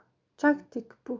chak tik puk